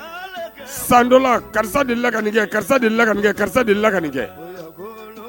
San dɔla karisa lakai kɛ karisa laka kɛ karisa lakai kɛ